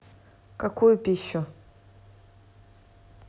какую пищу